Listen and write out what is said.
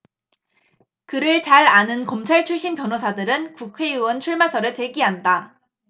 그를 잘 아는 검찰 출신 변호사들은 국회의원 출마설을 제기한다